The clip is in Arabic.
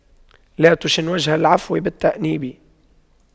لا تشن وجه العفو بالتأنيب